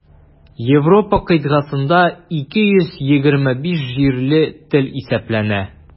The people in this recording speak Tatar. Европа кыйтгасында 225 җирле тел исәпләнә.